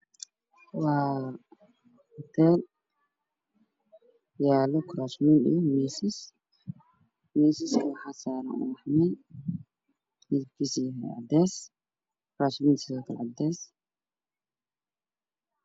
Waa hool waxaa yaalo kuraasman miisaas midabkoodu kala yihiin caddaan waxaa dul saaran miisas ka caadado biyo caafi ku jiraan daahir dambe waa qaxay